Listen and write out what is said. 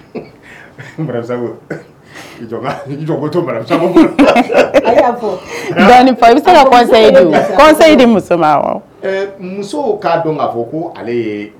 Muso muso'a dɔn k' fɔ ko ale